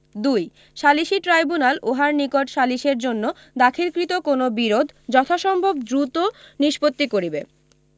২ সালিসী ট্রাইব্যুনাল উহার নিকট সালিসের জন্য দাখিলকৃত কোন বিরোধ যথাসম্ভব দ্রুত নিষ্পত্তি করিবে